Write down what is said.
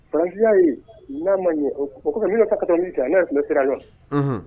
Pajiya ye n'a ma ye o kɔmi n ka min kɛ na sira